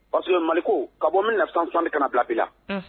Parce mali ko ka bɔ bɛna na san sɔnni kana bila bi la